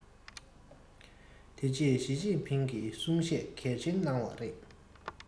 དེ རྗེས ཞིས ཅིན ཕིང གིས གསུང བཤད གལ ཆེན གནང བ རེད